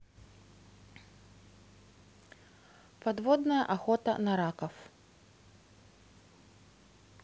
подводная охота на раков